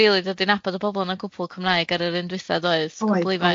rili dod i nabod y bobol o' 'na cwpwl Cymraeg ar yr un dwytha doedd? Cwpwl ifanc.